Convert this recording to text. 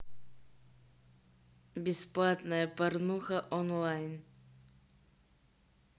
бесплатная порнуха онлайн